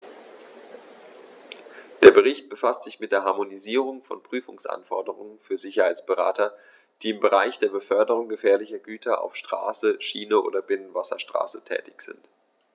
Der Bericht befasst sich mit der Harmonisierung von Prüfungsanforderungen für Sicherheitsberater, die im Bereich der Beförderung gefährlicher Güter auf Straße, Schiene oder Binnenwasserstraße tätig sind.